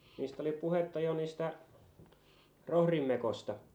niistä oli puhetta jo niistä rohdinmekosta